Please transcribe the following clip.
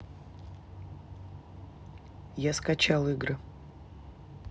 я скачал игры